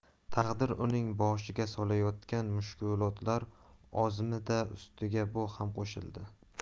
taqdir uning boshiga solayotgan mushkulotlar ozmidi ustiga bu ham qo'shildi